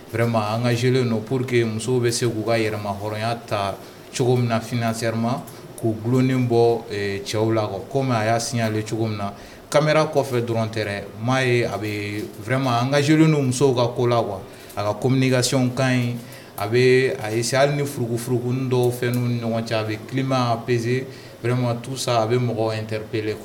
An ka zelen pour que musow bɛ se k'u ka yɛlɛmamaɔrɔnya ta cogo min na fsɛ ma k'u bulonlonin bɔ cɛw la komi a y'a silen cogo min na kamalenra kɔfɛ dɔrɔn tɛ maa ye a bɛma an ka z ni musow ka ko la a ka komini kasiyɛn kan ɲi a bɛ a ye se ni furuugu furuurk dɔw fɛn ni ɲɔgɔn cɛ a bɛ kima pesema tusa a bɛ mɔgɔ in peele kuwa